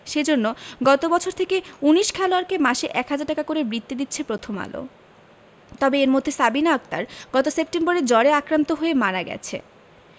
সে জন্য গত বছর থেকে ১৯ খেলোয়াড়কে মাসে ১ হাজার টাকা করে বৃত্তি দিচ্ছে প্রথম আলো তবে এর মধ্যে সাবিনা আক্তার গত সেপ্টেম্বরে জ্বরে আক্রান্ত হয়ে মারা গেছে